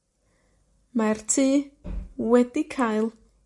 Mae'r tŷ wedi cael